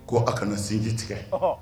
Ko a kana sinji tigɛ